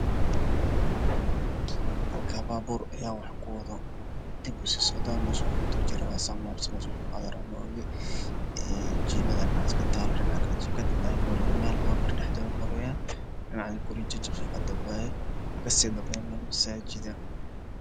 Waa guryo duug ah waxaa ka agmuuqda gaari cadaan ah